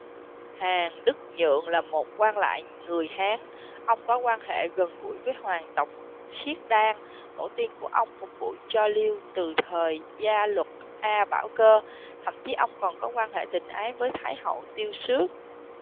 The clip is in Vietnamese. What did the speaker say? hàn đức nhượng là một quan lại người hán ông có quan hệ gần gũi với hoàng tộc khiết đan tổ tiên của ông phục vụ cho liêu từ thời da luật a bảo cơ thậm chí ông còn có quan hệ tình ái với thái hậu tiêu xước